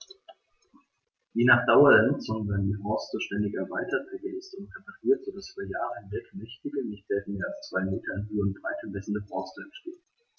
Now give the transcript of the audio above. Je nach Dauer der Nutzung werden die Horste ständig erweitert, ergänzt und repariert, so dass über Jahre hinweg mächtige, nicht selten mehr als zwei Meter in Höhe und Breite messende Horste entstehen.